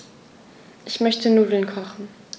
Ich möchte Nudeln kochen.